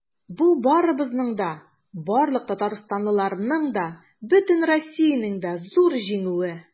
Бу барыбызның да, барлык татарстанлыларның да, бөтен Россиянең дә зур җиңүе.